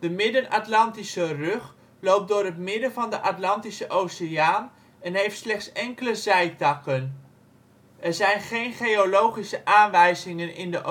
Midden-Atlantische Rug loopt door het midden van de Atlantische Oceaan en heeft slechts enkele zijtakken. Er zijn geen geologische aanwijzingen in de